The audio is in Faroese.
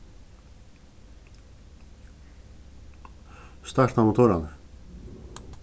starta motorarnar